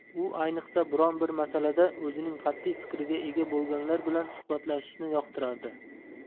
u ayniqsa biron bir masalada o'zining qat'iy fikriga ega bo'lganlar bilan suhbatlashishni yoqtirardi